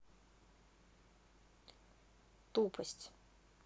тупость